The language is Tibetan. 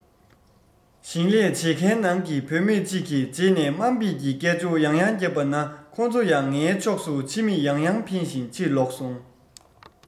ཞིང ལས བྱེད མཁན ནང གི བུ མེད ཅིག གིས རྗེས ནས དམའ འབེབས ཀྱི སྐད ཅོར ཡང ཡང བརྒྱབ པ ན ཁོ ཚོ ཡང ངའི ཕྱོགས སུ ཕྱི མིག ཡང ཡང འཕེན བཞིན ཕྱིར ལོག སོང